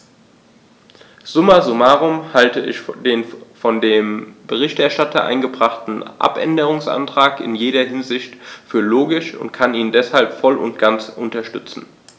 Summa summarum halte ich den von dem Berichterstatter eingebrachten Abänderungsantrag in jeder Hinsicht für logisch und kann ihn deshalb voll und ganz unterstützen.